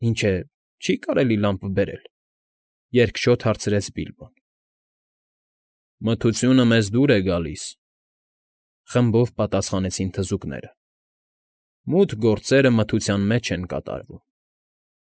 Ինչ է, չի՞ կարելի լամպը բերել, ֊ երկչոտ հարցրեց Բիլբոն։ ֊ Մթությունը մեզ դուր է գալիս, ֊ խմբով պատասխանեցին թզուկները։ ֊ Մութ գործերը մթության մեջ են կատարվում։